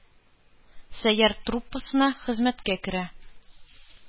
«сәйяр» труппасына хезмәткә керә.